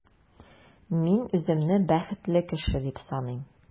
Мин үземне бәхетле кеше дип саныйм.